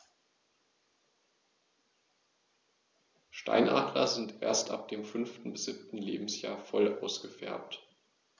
Steinadler sind erst ab dem 5. bis 7. Lebensjahr voll ausgefärbt.